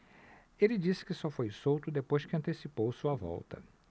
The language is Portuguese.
ele disse que só foi solto depois que antecipou sua volta